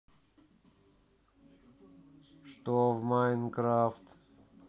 что в minecraft